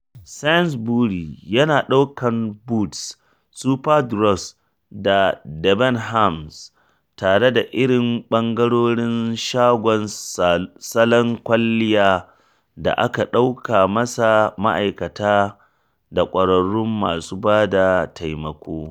Sainsbury’s yana ɗaukan Boots, Superdrug da Debenhams tare da irin ɓangarorin shagon salon kwalliya da aka ɗauka masa ma’aikata da ƙwararrun masu ba da taimako.